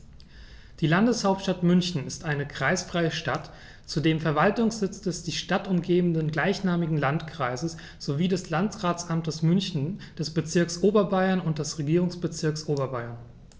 Die Landeshauptstadt München ist eine kreisfreie Stadt, zudem Verwaltungssitz des die Stadt umgebenden gleichnamigen Landkreises sowie des Landratsamtes München, des Bezirks Oberbayern und des Regierungsbezirks Oberbayern.